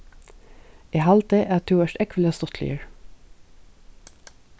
eg haldi at tú ert ógvuliga stuttligur